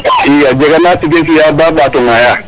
i a jega na tige fi'aa ba ɓaat o ŋaayaa